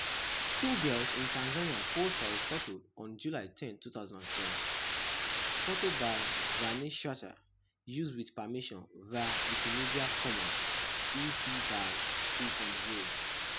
Schoolgirls in Tanzania pose for a photo on July 10, 2007. Photo by Fanny Schertzer, used with permission via Wikimedia Commons, CC BY 2.0.